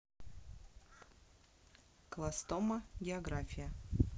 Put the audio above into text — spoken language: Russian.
колостома география